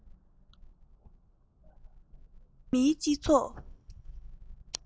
འགྲོ བ མིའི སྤྱི ཚོགས